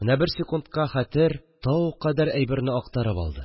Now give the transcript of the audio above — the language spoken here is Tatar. Менә бер секундка хәтер тау кадәр әйберне актарып алды